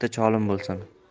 bitta cholim bo'lsin